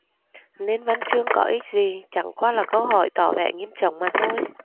nên văn chương có ích gì chẳng qua là câu hỏi tỏ vẻ nghiêm trọng mà thôi